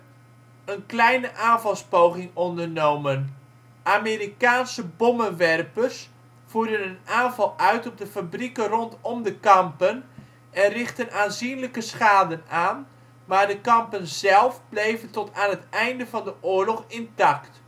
kleine aanvalspoging ondernomen. Amerikaanse bommenwerpers voerden een aanval uit op de fabrieken rondom de kampen en richtten aanzienlijke schade aan, maar de kampen zelf bleven tot aan het einde van de oorlog intact